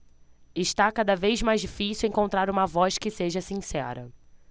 está cada vez mais difícil encontrar uma voz que seja sincera